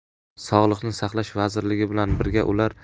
sog'liqni saqlash vazirligi bilan birga